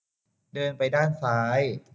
เดินไปด้านซ้าย